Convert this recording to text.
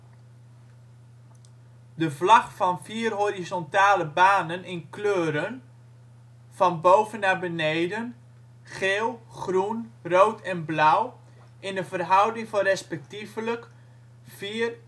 vlag van 4 horizontale banen in kleuren, van boven naar beneden, geel, groen, rood en blauw in de verhouding van respectievelijk 4:1:1:4